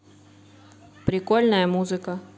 прикольная музыка